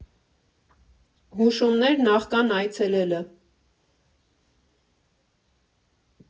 Հուշումներ նախքան այցելելը։